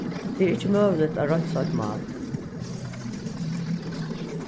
tað er ikki møguligt at reinsa eitt mál